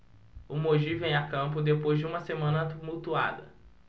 o mogi vem a campo depois de uma semana tumultuada